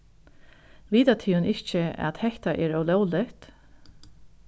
vita tygum ikki at hetta er ólógligt